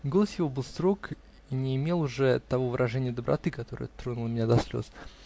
Голос его был строг и не имел уже того выражения доброты, которое тронуло меня до слез.